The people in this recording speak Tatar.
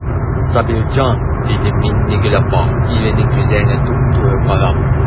Сабирҗан,– диде Миннегөл апа, иренең күзләренә туп-туры карап.